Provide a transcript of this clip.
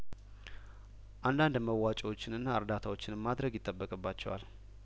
አንዳንድ መዋጮዎችና እርዳታዎችንም ማድረግ ይጠበቅባቸዋል